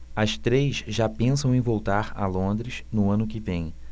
as três já pensam em voltar a londres no ano que vem